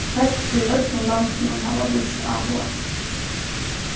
fólk úr øllum landinum hava víst áhuga